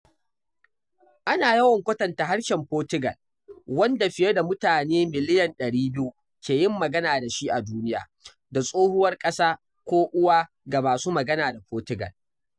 Ana yawan kwatanta Harshen Fotigal, wanda fiye da mutane miliyan 200 ke yin magana da shi a duniya, da “tsohuwar ƙasa” ko “uwa” ga masu magana da Fotigal.